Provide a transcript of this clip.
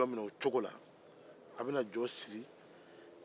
a bɛ jɔn mine cogo la a bɛ na jɔn siri